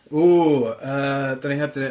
Ww yy 'dyn ni heb di neud...